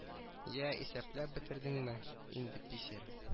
Җә исәпләп бетердеңме инде писер